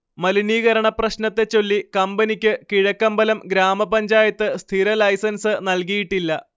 മലിനീകരണപ്രശ്നത്തെച്ചൊല്ലി കമ്പനിക്ക് കിഴക്കമ്പലം ഗ്രാമപഞ്ചായത്ത് സ്ഥിരലൈസൻസ് നൽകിയിട്ടില്ല